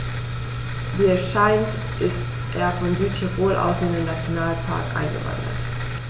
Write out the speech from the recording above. Wie es scheint, ist er von Südtirol aus in den Nationalpark eingewandert.